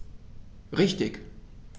Richtig